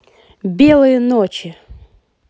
белые ночи